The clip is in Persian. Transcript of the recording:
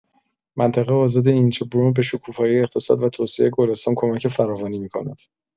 منطقه آزاد اینچه‌برون به شکوفایی اقتصاد و توسعه گلستان کمک فراوانی می‌کند.